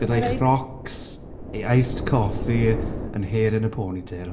Gyda'i chrocs, ei iced coffee, and hair in a ponytail.